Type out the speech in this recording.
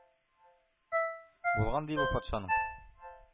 Булган, ди, бу патшаның.